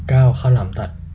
เก้าข้าวหลามตัด